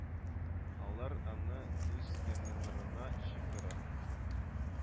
Алар аны үз яннанырына чакыра